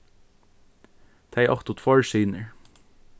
tey áttu tveir synir